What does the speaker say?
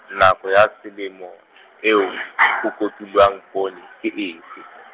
nako ya selemo , eo ho kotulwang poone, ke efe .